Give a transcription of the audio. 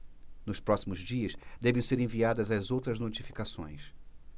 nos próximos dias devem ser enviadas as outras notificações